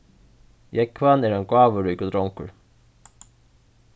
jógvan er ein gávuríkur drongur